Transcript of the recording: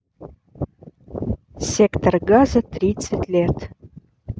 сектор газа тридцать лет